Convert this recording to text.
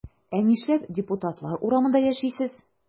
Ә нишләп депутатлар урамында яшисез?